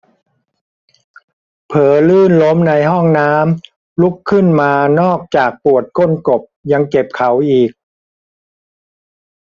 เผลอลื่นล้มในห้องน้ำลุกขึ้นมานอกจากปวดก้นกบยังเจ็บเข่าอีก